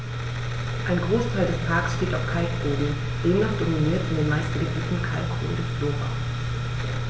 Ein Großteil des Parks steht auf Kalkboden, demnach dominiert in den meisten Gebieten kalkholde Flora.